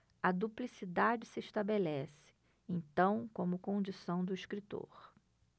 a duplicidade se estabelece então como condição do escritor